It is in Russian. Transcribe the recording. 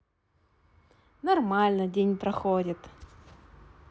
нормально день проходит